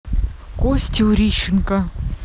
костя урищенко